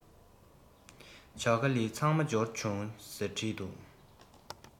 ཇ ག ལི ཚང མ འབྱོར བྱུང ཟེར བྲིས འདུག